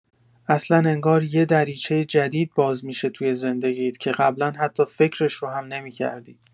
اصلا انگار یه دریچه جدید باز می‌شه تو زندگیت که قبلا حتی فکرش رو هم نمی‌کردی.